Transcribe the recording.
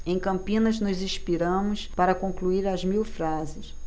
em campinas nos inspiramos para concluir as mil frases